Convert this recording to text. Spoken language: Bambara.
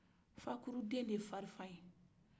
fakori den de ye farfan ye